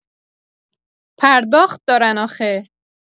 پرداخت دارن آخه